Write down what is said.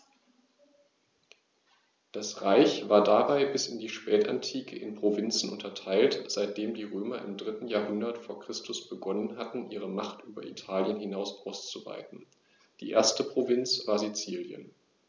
Das Reich war dabei bis in die Spätantike in Provinzen unterteilt, seitdem die Römer im 3. Jahrhundert vor Christus begonnen hatten, ihre Macht über Italien hinaus auszuweiten (die erste Provinz war Sizilien).